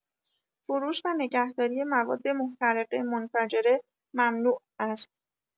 فروش و نگهداری مواد محترقه منفجره ممنوع است.